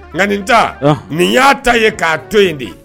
Nka nin ta, anhan, nin y'a ta ye k'a to yen de ye